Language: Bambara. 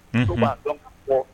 Unhun, muso b'a dɔn ka fɔ